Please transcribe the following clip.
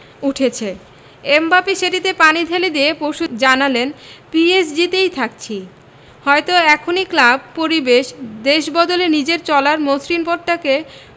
উঠেছে এমবাপ্পে সেটিতে পানি ঢেলে দিয়ে পরশু জানালেন পিএসজিতেই থাকছি হয়তো এখনই ক্লাব পরিবেশ দেশ বদলে নিজের চলার মসৃণ পথটাকে